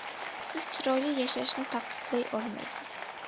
siz chiroyli yashashni taqiqlay olmaysiz